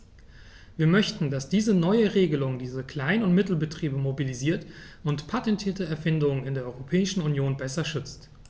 Wir möchten, dass diese neue Regelung diese Klein- und Mittelbetriebe mobilisiert und patentierte Erfindungen in der Europäischen Union besser schützt.